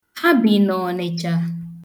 Ha bi n' Ọnịcha